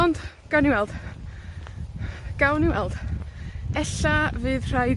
Ond, gawn ni weld. Gawn ni weld. Ella fydd rhaid